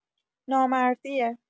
نامردیه